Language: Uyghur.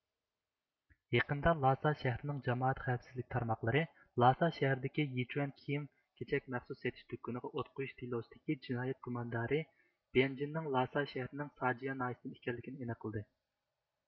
يېقىندا لاسا شەھىرىنىڭ جامائەت خەۋەپسىزلىك تارماقلىرى لاسا شەھىرىدىكى يىچۈن كىيىم كېچەك مەخسۇس سېتىش دۇككىنىغا ئوت قويۇش دېلوسىدىكى جىنايەت گۇماندارى بيەنجىنىڭ لاسا شەھىرىنىڭ ساجيا ناھىيىسىدىن ئىكەنلىكىنى ئېنىقلىدى